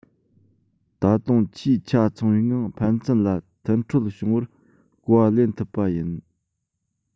ད དུང ཆེས ཆ ཚང བའི ངང ཕན ཚུན ལ མཐུན འཕྲོད བྱུང བར གོ བ ལེན ཐུབ པ ཡིན